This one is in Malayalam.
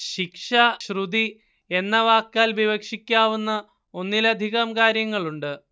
ശിക്ഷ ശ്രുതി എന്ന വാക്കാൽ വിവക്ഷിക്കാവുന്ന ഒന്നിലധികം കാര്യങ്ങളുണ്ട്